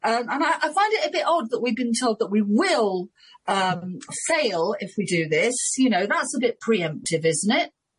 Um and I- I find it a bit odd that we've been told that we will um fail if we do this, you know that's a bit pre-emptive isn't it?